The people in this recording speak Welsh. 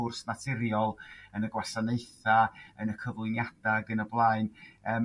sgwrs naturiol yn gwasanaetha' yn y cyflwyniada' ag yn y blaen yym